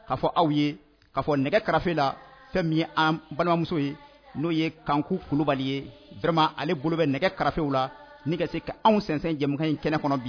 Balimamuso ye n'o ye kanku kulubali ye ale bolo bɛ nɛgɛ karaw la se' anw san jɛ in kɛnɛ kɔnɔ